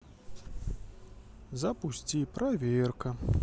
запусти проверка